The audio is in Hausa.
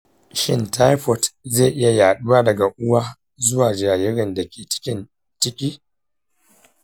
shin taifoid zai iya yaɗuwa daga uwa zuwa jaririn da ke cikin ciki?